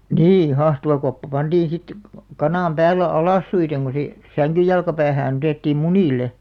niin hahtuvakoppa pantiin sitten kanan päälle alassuin kun se sängyn jalkopäähän otettiin munille